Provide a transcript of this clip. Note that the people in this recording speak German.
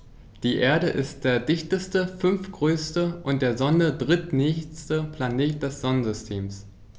Die Erde ist der dichteste, fünftgrößte und der Sonne drittnächste Planet des Sonnensystems.